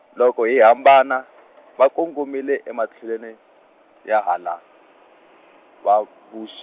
loko hi hambana va kongomile ematlhelweni, ya hala, vaBux-.